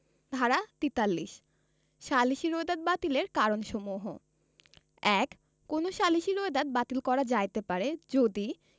ধারা ৪৩ সালিসী রোয়েদাদ বাতিলের কারণসমূহ ১ কোন সালিসী রোয়েদাদ বাতিল করা যাইতে পারে যদি